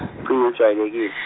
-cingo olujwayelekile.